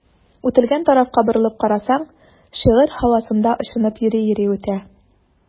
Үтелгән тарафка борылып карасаң, шигырь һавасында очынып йөри-йөри үтә.